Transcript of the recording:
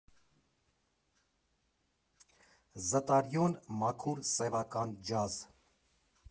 Զտարյուն, մաքուր սևական ջազ։